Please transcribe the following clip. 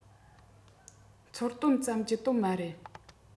འཚོལ དོན ཙམ ཀྱི དོན མ རེད